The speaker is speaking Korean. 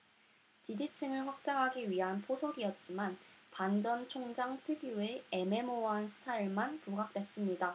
지지층을 확장하기 위한 포석이었지만 반 전 총장 특유의 애매모호한 스타일만 부각됐습니다